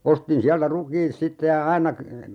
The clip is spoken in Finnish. ostin sieltä rukiit sitten ja aina -